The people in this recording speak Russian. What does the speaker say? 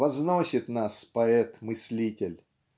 возносит нас поэт-мыслитель.